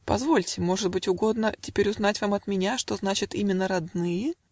Позвольте: может быть, угодно Теперь узнать вам от меня, Что значит именно родные.